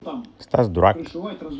стас дурак